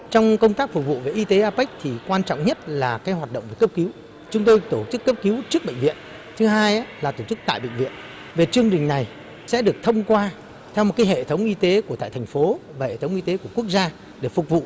trong công tác phục vụ về y tế a pếch thì quan trọng nhất là cái hoạt động cấp cứu chúng tôi tổ chức cấp cứu trước bệnh viện thứ hai ấy là tổ chức tại bệnh viện về chương trình này sẽ được thông qua theo một cái hệ thống y tế của tại thành phố và hệ thống y tế của quốc gia để phục vụ